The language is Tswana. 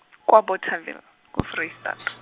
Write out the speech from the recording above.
kwa Bothaville, ko Vrystaat.